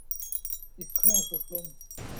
ปิดเครื่องสูบลม